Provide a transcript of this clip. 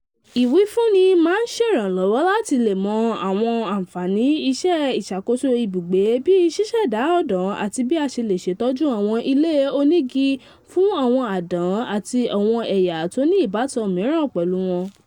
Ìwífúnni yì máa ṣèrànwọ́ láti le mọ àwọn àǹfààní iṣẹ́ ìṣàkóso ibùgbé bíi ṣíṣẹ̀dá ọ̀dàn àti bí a ṣe le ṣètọ́jú àwọn ilẹ̀ onígí fún àwọn àdán àti àwọn ẹ̀yà tó ní ìbátán míràn pẹ̀lú wọn.